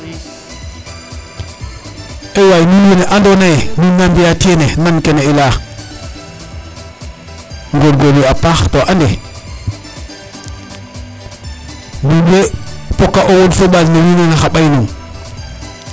ay waay nuun wene ando anye nuun na mbiya tiyene nan kene i leya ngongorlu yo a paax to ande nuun we poka o wod fo ɓal no wiin we naxa ɓay nuun